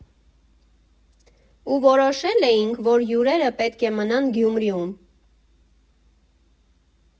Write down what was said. Ու որոշել էինք, որ հյուրերը պետք է մնան Գյումրիում։